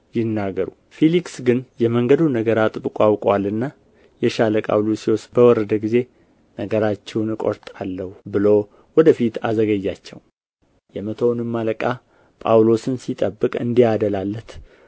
ይናገሩ ፊልክስ ግን የመንገዱን ነገር አጥብቆ አውቆአልና የሻለቃው ሉስዮስ በወረደ ጊዜ ነገራችሁን እቆርጣለሁ ብሎ ወደ ፊት አዘገያቸው የመቶውንም አለቃ ጳውሎስን ሲጠብቅ እንዲያደላለት